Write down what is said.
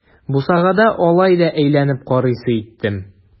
Бусагада алай да әйләнеп карыйсы иттем.